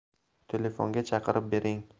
telefonga chaqirib bering